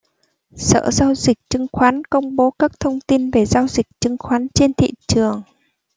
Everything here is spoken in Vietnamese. sở giao dịch chứng khoán công bố các thông tin về giao dịch chứng khoán trên thị trường